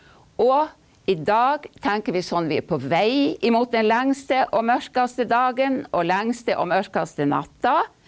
og i dag tenker vi sånn vi er på vei imot den lengste og mørkeste dagen og lengste og mørkeste natta.